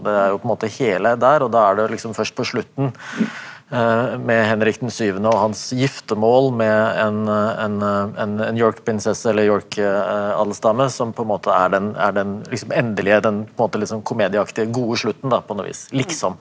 det er jo på en måte hele der og da er det liksom først på slutten med Henrik den syvende og hans giftemål med en en en en York-prinsesse eller York-adelsdame som på en måte er den er den liksom endelige den på en måte liksom komedieaktige gode slutten da på noe vis liksom.